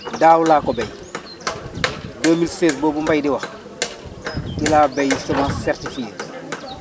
daaw laa ko béy 2016 boobu Mbaye di wax ci laa béy semence certifiée